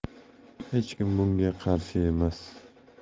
hech kim bunga qarshi emas